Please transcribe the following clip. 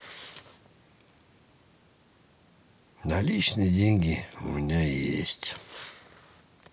наличные деньги у меня есть